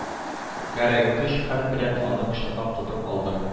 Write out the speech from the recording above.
Гәрәй көч-хәл белән аны кочаклап тотып алды